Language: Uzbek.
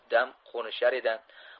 dam qo'nishar edi